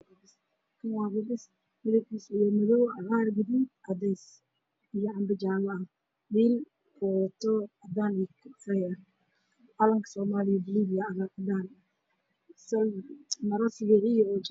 Waxaa ii muuqda calanka soomaaliya oo midabkiisu buluug waxaa aada yaallo cambo